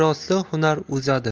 merosli hunar o'zadi